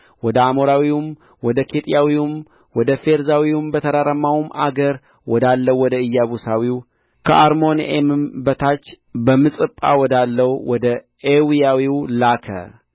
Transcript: ወደ አሞራዊውም ወደ ኬጢያዊውም ወደ ፌርዛዊውም በተራራማውም አገር ወዳለው ወደ ኢያቡሳዊው ከአርሞንዔምም በታች በምጽጳ ወዳለው ወደ ኤዊያዊው ላከ